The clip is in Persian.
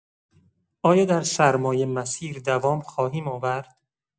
آیا در سرمای مسیر دوام خواهیم آورد؟